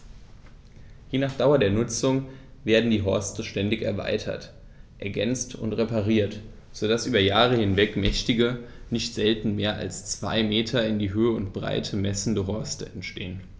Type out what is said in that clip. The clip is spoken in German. Je nach Dauer der Nutzung werden die Horste ständig erweitert, ergänzt und repariert, so dass über Jahre hinweg mächtige, nicht selten mehr als zwei Meter in Höhe und Breite messende Horste entstehen.